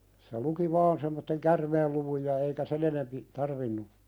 se luki vain semmoisen käärmeenluvun ja eikä sen enempi tarvinnut